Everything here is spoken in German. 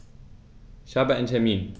Ich habe einen Termin.